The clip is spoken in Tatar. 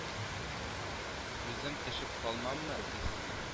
Үзем төшеп калмаммы, дисезме